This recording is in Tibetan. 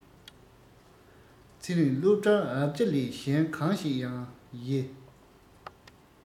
ཚེ རིང སློབ གྲྭར འབ བརྒྱ ལས གཞན གང ཞིག ཡང ཡི